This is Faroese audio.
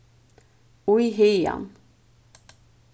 í hagan